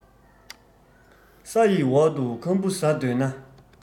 ས ཡི འོག ཏུ ཁམ བུ ཟ འདོད ན